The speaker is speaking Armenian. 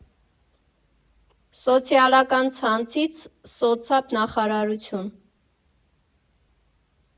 Սոցիալական ցանցից՝ սոցապ նախարարություն։